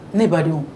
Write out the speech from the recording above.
Ne ba denw.